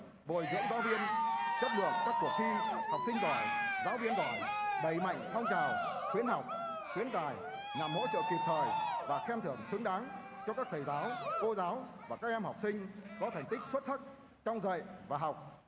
bồi dưỡng giáo viên chất lượng các cuộc thi học sinh giỏi giáo viên giỏi đẩy mạnh phong trào khuyến học khuyến tài nhằm hỗ trợ kịp thời và khen thưởng xứng đáng cho các thầy giáo cô giáo và các em học sinh có thành tích xuất sắc trong dạy và học